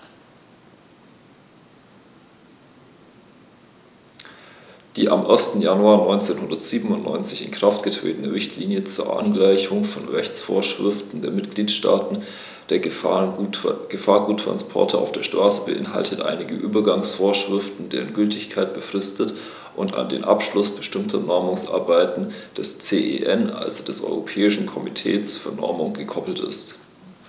Die am 1. Januar 1997 in Kraft getretene Richtlinie zur Angleichung von Rechtsvorschriften der Mitgliedstaaten für Gefahrguttransporte auf der Straße beinhaltet einige Übergangsvorschriften, deren Gültigkeit befristet und an den Abschluss bestimmter Normungsarbeiten des CEN, also des Europäischen Komitees für Normung, gekoppelt ist.